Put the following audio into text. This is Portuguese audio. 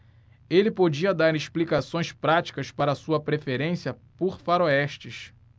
ele podia dar explicações práticas para sua preferência por faroestes